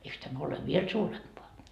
eikös tämä ole vielä suurempaa